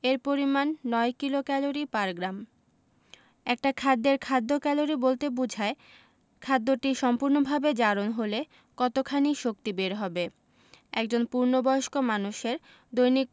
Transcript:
এর পরিমান ৯ kilocalorie per gram একটা খাদ্যের খাদ্য ক্যালোরি বলতে বোঝায় খাদ্যটি সম্পূর্ণভাবে জারণ হলে কতখানি শক্তি বের হবে একজন পূর্ণবয়স্ক মানুষের দৈনিক